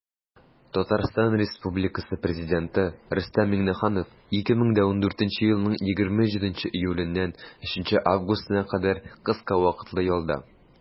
Татарстан Республикасы Президенты Рөстәм Миңнеханов 2014 елның 27 июленнән 3 августына кадәр кыска вакытлы ялда.